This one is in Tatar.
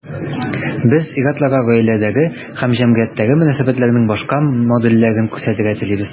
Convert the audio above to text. Без ир-атларга гаиләдәге һәм җәмгыятьтәге мөнәсәбәтләрнең башка модельләрен күрсәтергә телибез.